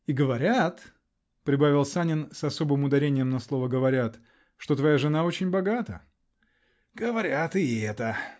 -- И говорят, -- прибавил Санин с особым ударением на слово "говорят", -- что твоя жена очень богата. -- Говорят и это.